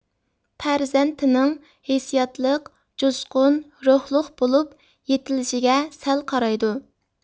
پەرزەنتىنىڭ ھېسسىياتلىق جۇشقۇن روھلۇق بولۇپ يېتىلىشىگە سەل قارايدۇ